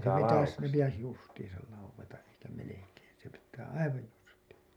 se pitäisi ne pitäisi justiinsa laueta eikä melkein se pitää aivan justiinsa